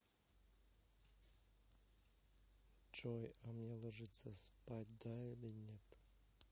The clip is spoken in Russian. джой а мне ложится спать да или нет